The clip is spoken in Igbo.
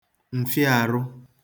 m̀fịaārụ̄